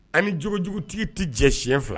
Ani jojugu tɛ jɛ si fila